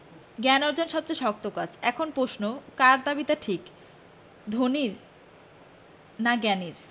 জ্ঞানার্জন সবচেয়ে শক্ত কাজ এখন প্রশ্ন কার দাবিটা ঠিক ধনীর না জ্ঞানীর